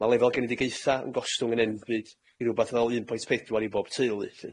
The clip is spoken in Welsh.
Ma' lefel genedigaetha yn gostwng yn enbyd i rwbath fel un point pedwar i bob teulu lly.